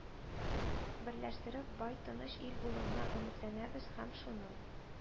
Берләштереп, бай, тыныч ил булуына өметләнәбез, һәм шуның